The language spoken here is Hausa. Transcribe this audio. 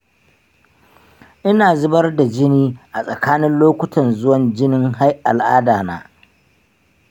ina zubar da jini a tsakanin lokutan zuwan jinin al'ada na.